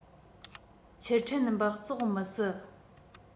ཆུ ཕྲེན སྦགས བཙོག མི སྲིད